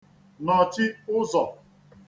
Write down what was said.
nọ̀chi ụzọ̀